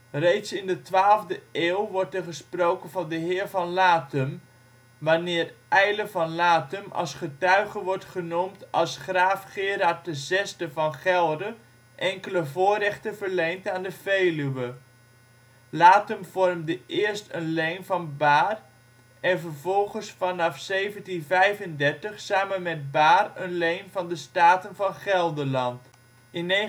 Reeds in de twaalfde eeuw wordt er gesproken van een heer van Lathum, wanneer Eyle van Lathum als getuige wordt genoemd als graaf Gerard IV van Gelre enkele voorrechten verleent aan de Veluwe. Lathum vormde eerst een leen van Bahr en vervolgens vanaf de 1735 samen met Bahr een leen van de Staten van Gelderland. In 1945